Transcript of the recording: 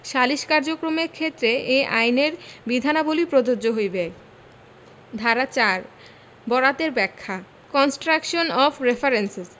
সালিস কার্যক্রমের ক্ষেত্রে এই আইনের বিধানাবলী প্রযোজ্য হইবে ধারা ৪ বরাতের ব্যাখ্যা কন্সট্রাকশন অফ রেফারেঞ্চেস